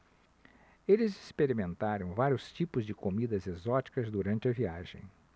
eles experimentaram vários tipos de comidas exóticas durante a viagem